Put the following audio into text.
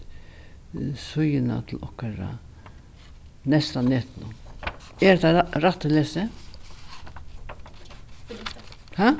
síðuna til okkara neyst á netinum er hetta rætt eg lesi ha